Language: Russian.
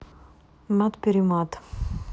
ну хули блять не можешь